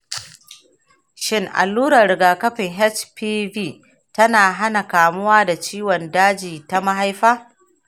shin allurar rigakafin hpv tana hana kamuwa da ciwon daji ta mahaifa?